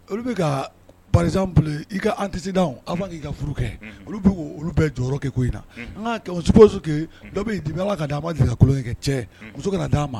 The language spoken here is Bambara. Olu bɛ ka par exemple i ka antécédent avant que i ka furu kɛ olu bɛ olu bɛɛ jɔyɔrɔ bɛ ko in na an ka kɛ on suppose que dɔ bɛ ye depuis Ala ka dan a man deli ka kɛ cɛ muso ka